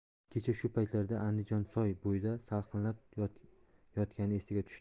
kecha shu paytlarda andijonsoy bo'yida salqinlab yotgani esiga tushdi